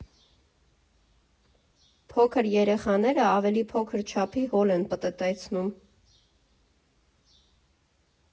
Փոքր երեխաները ավելի փոքր չափի հոլ են պտտեցնում։